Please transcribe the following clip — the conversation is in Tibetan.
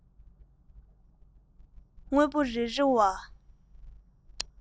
དངོས པོ རེ རེ བ